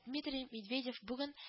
Дмитрий Медведев бүген